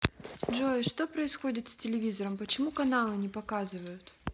джой что происходит с телевизором почему каналы не показывают